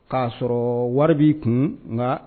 K y'a sɔrɔ wari b'i kun nka